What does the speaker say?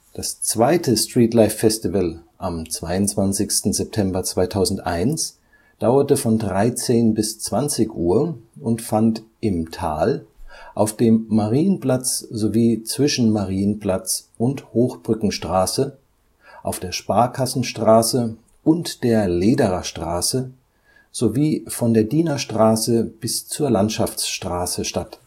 Das zweite Streetlife Festival am 22. September 2001 dauerte von 13 bis 20 Uhr und fand im Tal, auf dem Marienplatz sowie zwischen Marienplatz und Hochbrückenstraße, auf der Sparkassenstraße und der Ledererstraße sowie von der Dienerstraße bis zur Landschaftsstraße statt